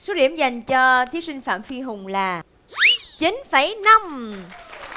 số điểm dành cho thí sinh phạm phi hùng là chín phẩy năm